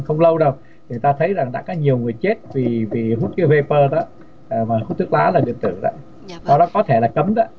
không lâu đâu người ta thấy rằng đã có nhiều người chết vì hút cu bơ bơ đã hút thuốc lá điện tử đó rất có thể là cấm đá